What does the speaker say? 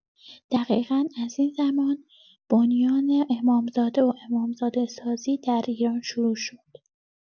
دقیقا از این زمان بنیان امامزاده و امامزاده سازی در ایران شروع شد.